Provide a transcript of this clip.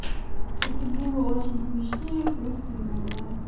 это было очень смешная просто не могла